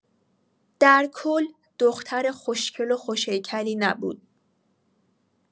در کل دختر خوشگل و خوش هیکلی نبود.